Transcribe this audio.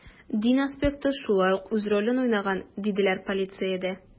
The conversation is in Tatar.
Дин аспекты шулай ук үз ролен уйнаган, диделәр полициядә.